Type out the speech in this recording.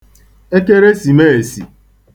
Ekeresìmeèsì